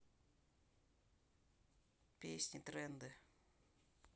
песни тренды